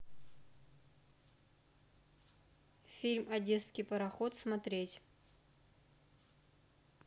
фильм одесский пароход смотреть